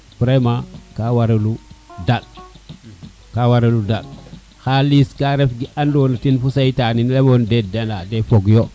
vraiment ka warelu daɗ ka warelu daɗ xalis ka ref ke ando na den fo seytane de fogu yo